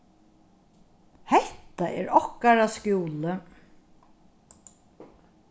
hetta er okkara skúli